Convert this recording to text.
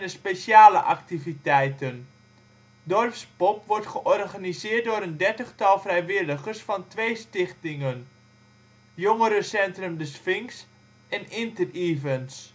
speciale activiteiten. Dorps Pop wordt georganiseerd door een dertigtal vrijwilligers van twee stichtingen: Jongerencentrum De Sfinx en Inter-events